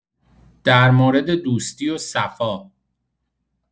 در مورد دوستی و صفا